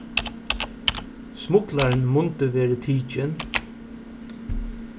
smuglarin mundi verið tikin